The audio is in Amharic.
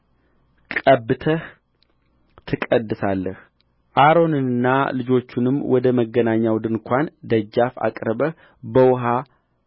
ቀብተህ ትቀድሳለህ አሮንንና ልጆቹንም ወደ መገናኛው ድንኳን ደጃፍ አቅርበህ በውኃ